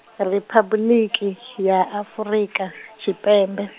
Riphabuḽiki, ya Afrika , Tshipembe .